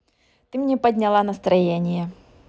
ты мне подняла настроение